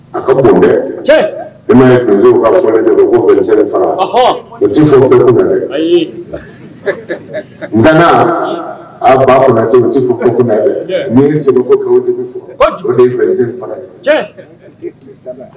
A i ma donso' fɔ ko fana o nana a ba fɔ n'ii ko